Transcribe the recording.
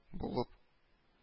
Булып